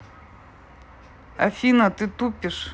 афина ты тупишь